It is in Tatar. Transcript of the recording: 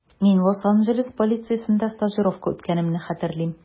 Мин Лос-Анджелес полициясендә стажировка үткәнемне хәтерлим.